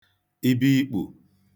ibeikpù